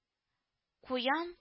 Куян